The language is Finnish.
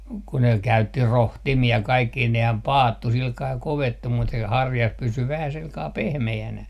kun ne käytti rohtimia kaikki nehän paattui sillä kalella kovettui mutta se harjas pysyi vähän sillä kalella pehmeänä